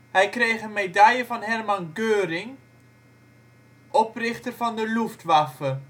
Hij kreeg een medaille van Hermann Göring, oprichter van de Luftwaffe